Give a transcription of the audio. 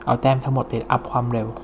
เอาแต้มทั้งหมดไปอัพความเร็ว